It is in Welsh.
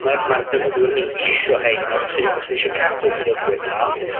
Ma' ma'r defnyddwyr ni isio rhein a trio... Os 'dyn ni isio cadw'r defnyddwyr 'ma